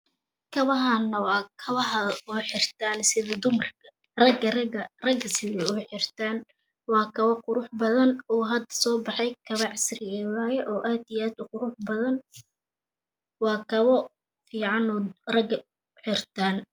Kabana wakabaha ay xirtaan sida dumarka raga sidokalena way xirtaan waa kabo quruxbadan oo hada soo baxay kabaha kabo casri ah weeye oo aad iyo aad uqurux badan waa kabo fiican oo raga xirtaan